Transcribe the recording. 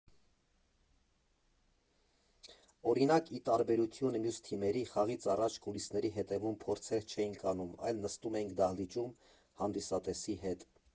Օրինակ՝ ի տարբերություն մյուս թիմերի՝ խաղից առաջ կուլիսների հետևում փորձեր չէինք անում, այլ նստում էինք դահլիճում՝ հանդիսատեսի հետ։